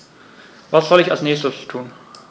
Was soll ich als Nächstes tun?